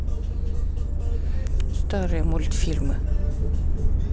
старые мультфильмы